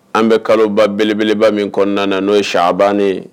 An bɛ kaloba belebeleba min kɔnɔna na n'o ye siaabannen ye